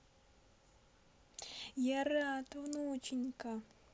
я рад внученька